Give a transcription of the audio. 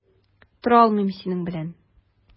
Тора алмыйм синең белән.